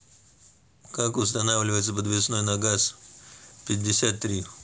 как устанавливается подвесной на газ пятьдесят три